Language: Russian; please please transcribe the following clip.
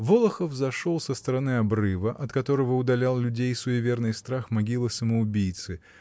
Волохов зашел со стороны обрыва, от которого удалял людей суеверный страх могилы самоубийцы.